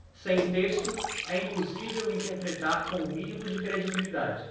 sem texto é impossível interpretar com o mínimo de credibilidade